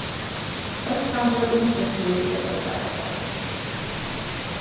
hóskandi umsóknir verða svaraðar